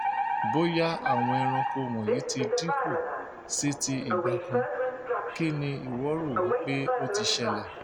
"bóyá àwọn ẹranko wọ̀nyí ti dínkù sí ti ìgbà kan, kí ni ìwọ rò wípé ó ti ṣẹlẹ̀?"